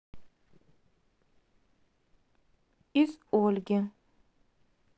из ольги